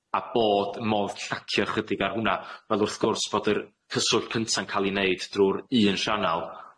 A bod modd llacio ychydig ar hwn'na, fel wrth gwrs fod yr cyswllt cynta'n ca'l 'i neud drw'r un sianal.